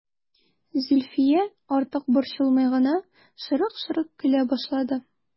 Зөлфия, артык борчылмый гына, шырык-шырык көлә башлады.